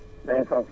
waaw